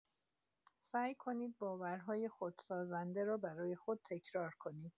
سعی کنید باورهای خودسازنده را برای خود تکرار کنید.